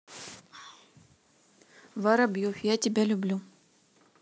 воробьев я тебя люблю